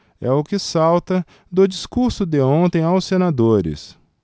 é o que salta do discurso de ontem aos senadores